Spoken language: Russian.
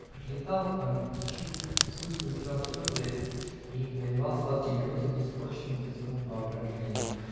Прилетал ангел-утешитель, с улыбкой утирал слезы эти и навевал сладкие грезы неиспорченному детскому воображению.